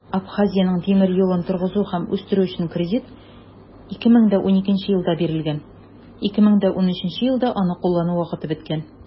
Абхазиянең тимер юлын торгызу һәм үстерү өчен кредит 2012 елда бирелгән, 2013 елда аны куллану вакыты беткән.